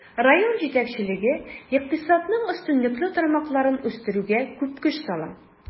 Район җитәкчелеге икътисадның өстенлекле тармакларын үстерүгә күп көч сала.